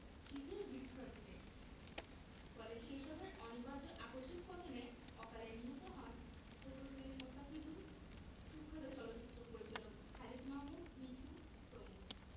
শিথিল বৃক্ষরাজিতে ফলে সে সবের অনিবার্য আকস্মিক পতনে অকালে নিহত হন প্রকৌশলী মোস্তাফিজুর সুখ্যাত চলচ্চিত্র পরিচালক খালিদ মাহমুদ মিঠু প্রমুখ